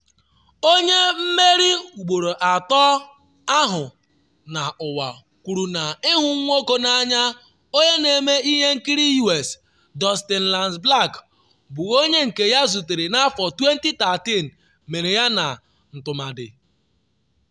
Onye mmeri ugboro atọ ahụ n’ụwa kwuru na ịhụ nwoke n’anya - onye na-eme ihe nkiri US, Dustin Lance Black, bụ onye nke ya zutere na 2013 - “mere ya na ntụmadị.”